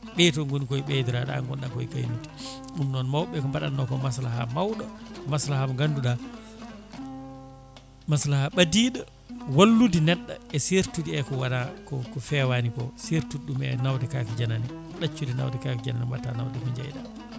ɓeyato gooni koye ɓeydorade an gonɗa koye gaynude ɗum noon mawɓe ko mbaɗanno ko massalaha mawɗo masslaha mo ganduɗa massalaha ɓadiɗo wallude neɗɗo e sertude e ko waɗa ko fewani ko surtout ɗi me nawde kaake janane ɗaccude nawde kaake janane mbatta nawde ko jeyɗa